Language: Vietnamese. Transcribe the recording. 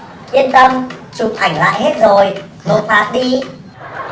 yên tâm chụp ảnh lại hết rồi nộp phạt đi